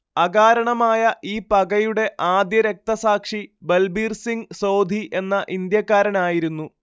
അകാരണമായ ഈ പകയുടെ ആദ്യ രക്തസാക്ഷി ബൽബീർ സിംഗ് സോധി എന്ന ഇന്ത്യക്കാരനായിരുന്നു